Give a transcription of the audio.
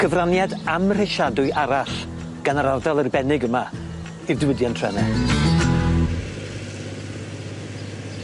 Cyfraniad amhrisiadwy arall gan yr ardal arbennig yma i'r diwydiant trene.